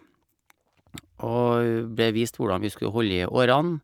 Og ble vist hvordan vi skulle holde i årene.